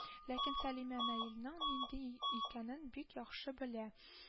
Ләкин Сәлимә Наилнең нинди икәнен бик яхшы белә